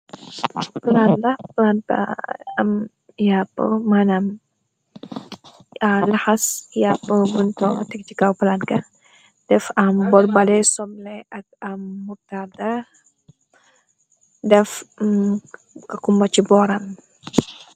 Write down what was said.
Plaat la plat ba am yapp manamlaxas yàpp buntonga tek tikaw planka def am borbale somle ak am murtarda def ka kumba ci booram.